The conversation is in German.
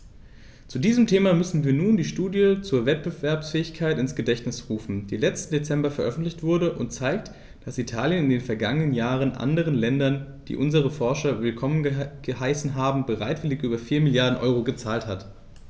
Zu diesem Thema müssen wir uns nur die Studie zur Wettbewerbsfähigkeit ins Gedächtnis rufen, die letzten Dezember veröffentlicht wurde und zeigt, dass Italien in den vergangenen Jahren anderen Ländern, die unsere Forscher willkommen geheißen haben, bereitwillig über 4 Mrd. EUR gezahlt hat.